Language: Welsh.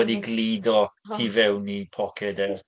Wedi gludo... O! ...tu fewn i poced e.